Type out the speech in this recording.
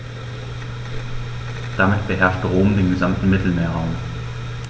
Damit beherrschte Rom den gesamten Mittelmeerraum.